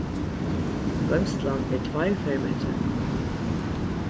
goymslan er tveir fermetrar